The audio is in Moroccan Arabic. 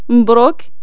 مبروك